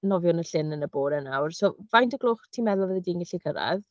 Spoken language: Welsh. Nofio'n y llyn yn y bore nawr, so faint o'r gloch ti'n meddwl fyddi di'n gallu cyrraedd?